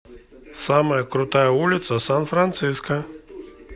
самая крутая улица в сан франциско